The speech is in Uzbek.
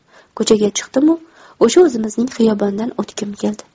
ko'chaga chiqdimu o'sha o'zimizning xiyobondan o'tgim keldi